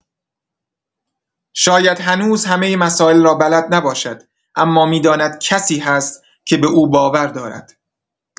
شاید هنوز همه مسائل را بلد نباشد اما می‌داند کسی هست که به او باور دارد.